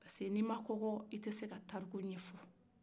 parce que n'i ma kɔgɔ i tɛ se ka taruku ɲɛfɔ